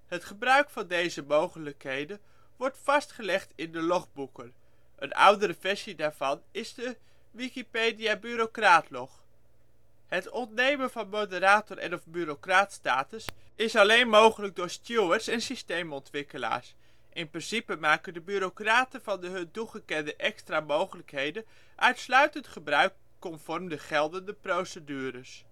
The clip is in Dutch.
Het gebruik van deze mogelijkheden wordt vastgelegd in de logboeken. Een oudere versie daarvan is Wikipedia:Bureaucrat log. Het ontnemen van moderator - en/of bureaucraatstatus is alleen mogelijk door stewards en systeemontwikkelaars (logboek). In principe maken de bureaucraten van de hun toegekende extra mogelijkheden uitsluitend gebruik conform de geldende procedures